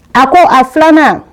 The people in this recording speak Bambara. A ko a filanan